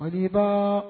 Badiba